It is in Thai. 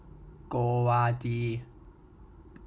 โกวาจี